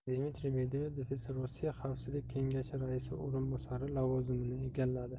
dmitriy medvedev esa rossiya xavfsizlik kengashi raisi o'rinbosari lavozimini egalladi